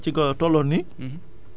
d' aillerus sax ci nga tolloon nii